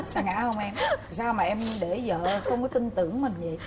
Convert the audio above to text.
sa ngã hông em sao mà em để dợ không có tin tưởng mình dậy